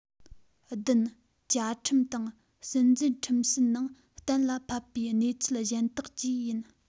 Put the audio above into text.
བདུན བཅའ ཁྲིམས དང སྲིད འཛིན ཁྲིམས སྲོལ ནང གཏན ལ ཕབ པའི གནས ཚུལ གཞན དག བཅས ཡིན